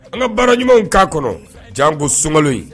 An ka baara ɲumanw k'a kɔnɔ jan ko soka in